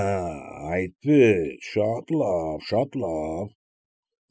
Աա՜, այդպե՞ս, շատ լավ, շատ լավ։